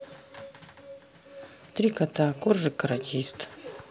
три кота коржик каратист